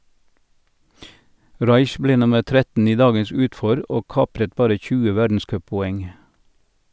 Raich ble nummer 13 i dagens utfor, og kapret bare 20 verdenscuppoeng.